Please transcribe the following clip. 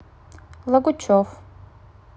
лагучев